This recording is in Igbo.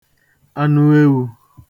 anụewū